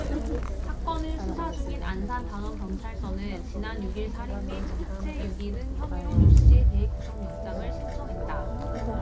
사건을 수사중인 안산단원경찰서는 지난 육 일 살인 및 사체유기 등 혐의로 조씨에 대해 구속영장을 신청했다